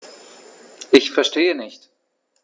Ich verstehe nicht.